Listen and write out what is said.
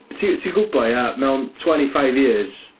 Ti- ti'n gwybod ia, mewn twenty five years.